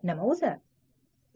nima o'zi